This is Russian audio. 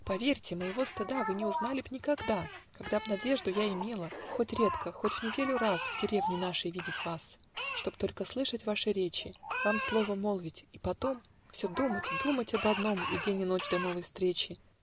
Поверьте: моего стыда Вы не узнали б никогда, Когда б надежду я имела Хоть редко, хоть в неделю раз В деревне нашей видеть вас, Чтоб только слышать ваши речи, Вам слово молвить, и потом Все думать, думать об одном И день и ночь до новой встречи.